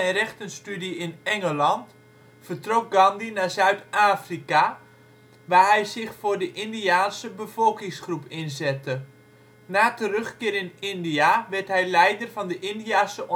rechtenstudie in Engeland vertrok Gandhi naar Zuid-Afrika, waar hij zich voor de Indiase bevolkingsgroep inzette. Na terugkeer in India werd hij leider in de Indiase onafhankelijkheidsstrijd